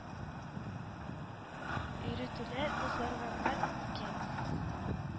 Өйрәтүләр уздырганнар икән